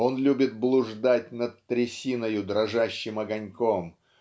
Он любит блуждать над трясиною дрожащим огоньком